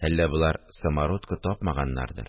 Әллә болар самородкы тапмаганнардыр